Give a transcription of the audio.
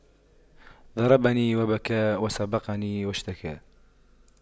ضربني وبكى وسبقني واشتكى